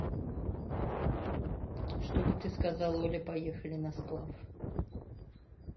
чтобы ты сказал оля поехали на сплав